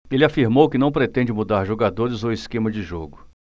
ele afirmou que não pretende mudar jogadores ou esquema de jogo